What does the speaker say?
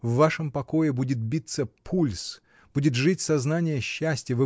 В вашем покое будет биться пульс, будет жить сознание счастья